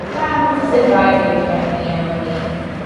...ia ma' fe jyst yn... Do'dd di raid i ei rhieni ni afon ni i